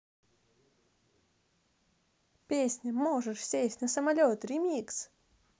песня можешь сесть на самолет ремикс